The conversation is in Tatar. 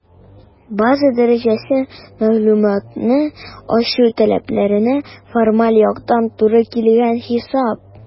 «база дәрәҗәсе» - мәгълүматны ачу таләпләренә формаль яктан туры килгән хисап.